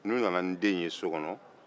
n'u nana ni den in ye sokɔnɔ